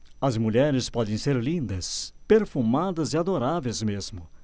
as mulheres podem ser lindas perfumadas e adoráveis mesmo